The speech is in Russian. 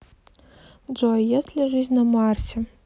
джой есть ли жизнь на марсе